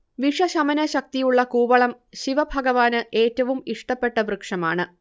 വിഷശമനശക്തിയുളള കൂവളം ശിവഭഗവാന് ഏറ്റവും ഇഷ്ടപ്പെട്ട വൃക്ഷമാണ്